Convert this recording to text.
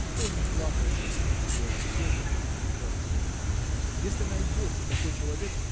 кто не плакал, сочувствуя высокому и прекрасному? Если найдется такой человек